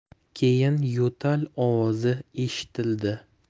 keyin yo'tal ovozi eshitildi